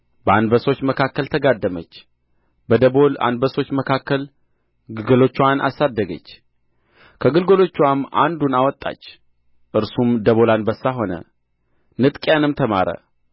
በአንበሶች መካከል ተጋደመች በደቦል አንበሶች መካከል ግልገሎችዋን አሳደገች ከግልገሎችዋም አንዱን አወጣች እርሱም ደቦል አንበሳ ሆነ ንጥቂያንም ተማረ